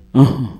Ɔn